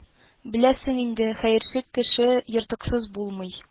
Беләсең инде, хәерче кеше ертыксыз булмый